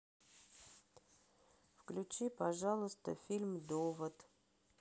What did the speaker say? включи пожалуйста фильм довод